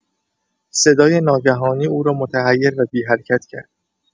صدای ناگهانی او را متحیر و بی‌حرکت کرد.